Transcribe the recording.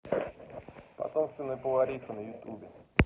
потомственная повариха на ютюбе